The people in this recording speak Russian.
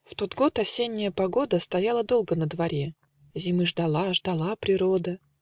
В тот год осенняя погода Стояла долго на дворе, Зимы ждала, ждала природа.